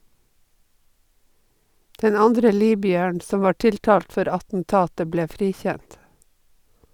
Den andre libyeren som var tiltalt for attentatet ble frikjent.